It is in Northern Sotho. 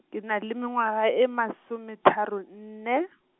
ke na le mengwaga e masometharo nne.